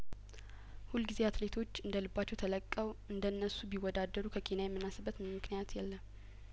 ሁልጊዜ አትሌቶች እንደልባቸው ተለቀው እንደነሱ ቢወዳደሩ ከኬንያ የምናንስበት ምንም ምክንያት የለም